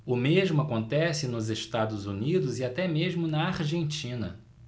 o mesmo acontece nos estados unidos e até mesmo na argentina